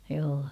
joo